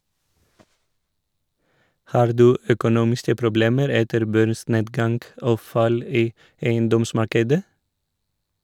- Har du økonomiske problemer etter børsnedgang og fall i eiendomsmarkedet?